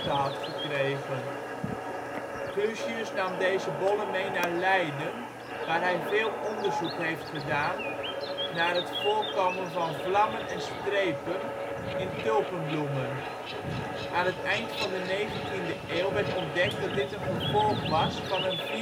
had gekregen. Clusius nam deze bollen mee naar Leiden waar hij veel onderzoek heeft gedaan naar het voorkomen van vlammen en strepen in tulpenbloemen - aan het eind van de negentiende eeuw werd ontdekt dat dit een gevolg was van een virusinfectie